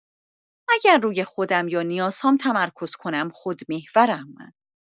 اگه روی خودم یا نیازهام تمرکز کنم خودمحورم.